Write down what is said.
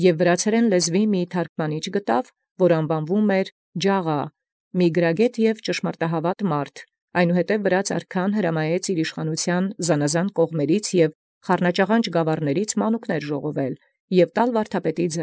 Եւ գտեալ զայր մի թարգման վրացերէն լեզուին, որ անուանեալ կոչէր Ջաղայ, այր գրագէտ և ճշմարտահաւատ. հրաման տայր այնուհետև արքայն Վրաց՝ ի կողմանց կողմանց և ի խառնաղանջ գաւառաց իշխանութեան իւրոյ ժողովել մանկունս և տալ ի ձեռն վարդապետին։